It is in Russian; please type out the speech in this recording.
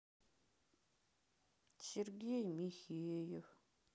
сергей михеев